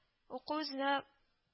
Уку үзенә